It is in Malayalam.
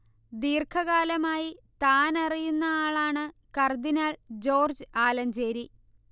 ദീർഘകാലമായി താൻ അറിയുന്ന ആളാണ് കർദിനാൾ ജോർജ്ജ് ആലഞ്ചേരി